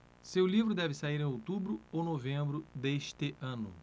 seu livro deve sair em outubro ou novembro deste ano